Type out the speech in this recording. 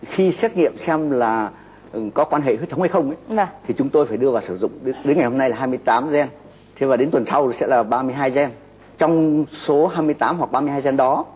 khi xét nghiệm xem là có quan hệ huyết thống hay không thì chúng tôi phải đưa vào sử dụng đến ngày hôm nay hai mươi tám gen thêm vào đến tuần sau sẽ là ba mươi hai gen trong số hai mươi tám hoặc ba mươi hai gen đó